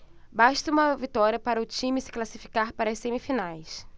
basta uma vitória para o time se classificar para as semifinais